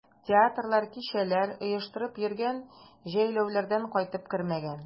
Театрлар, кичәләр оештырып йөргән, җәйләүләрдән кайтып кермәгән.